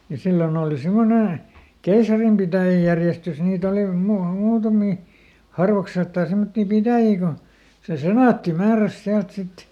ja silloin oli semmoinen keisarinpitäjäjärjestys niitä oli - muutamia harvakseltaan semmoisia pitäjiä kun se senaatti määräsi sieltä sitten